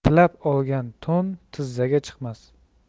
tilab olgan to'n tizzaga chiqmas